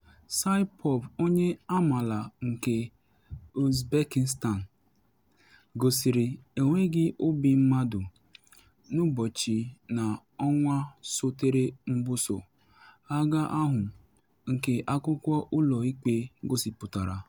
Saipov, onye amaala nke Uzbekistan, gosiri enweghị obi mmadụ n’ụbọchị na ọnwa sotere mbuso agha ahụ, nke akwụkwọ ụlọ ikpe gosipụtara.